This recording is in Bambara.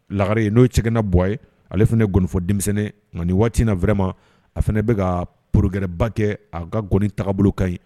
Lagare in n'o cɛna bɔ ye ale fana ye gonifɔ denmisɛnnin nka waati na fɛrɛma a fana bɛka ka porokɛɛrɛba kɛ a ka nkɔni taabolo bolo ka ɲi